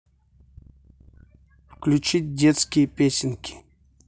включить детские песенки